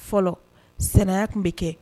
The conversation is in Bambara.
Fɔlɔ sɛnaya tun be kɛ